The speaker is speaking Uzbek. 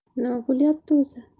nima bo'lyapti o'zi